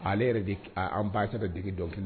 Ale yɛrɛ de an ba bɛ d dɔn kelen